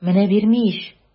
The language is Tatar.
Менә бирми ич!